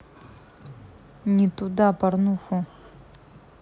не туда порнуху